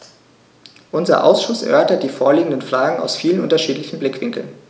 Unser Ausschuss erörtert die vorliegenden Fragen aus vielen unterschiedlichen Blickwinkeln.